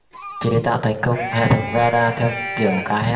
chế tạo thành công hệ thống radar theo kiểu cá heo